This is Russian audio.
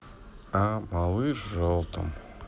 а малыш в желтом